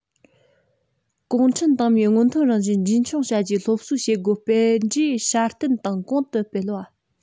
གུང ཁྲན ཏང མིའི སྔོན ཐོན རང བཞིན རྒྱུན འཁྱོངས བྱ རྒྱུའི སློབ གསོའི བྱེད སྒོ སྤེལ འབྲས སྲ བརྟན དང གོང དུ སྤེལ བ